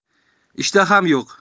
ishtaham yo'q